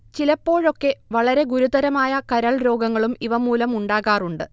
ചിലപ്പോഴൊക്കെ വളരെ ഗുരുതരമായ കരൾരോഗങ്ങളും ഇവ മൂലം ഉണ്ടാകാറുണ്ട്